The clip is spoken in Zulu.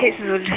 iZulu.